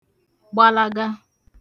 gbalaga